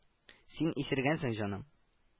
Син исергәнсең, җаным. Я